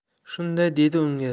shunday dedi unga